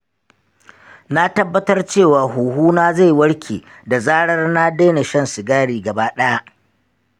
na tabbatar cewa huhuna zai warke da zarar na daina shan sigari gaba ɗaya.